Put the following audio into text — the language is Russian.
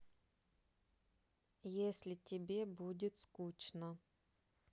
если тебе будет скучно